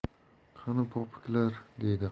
qani popuklar deydi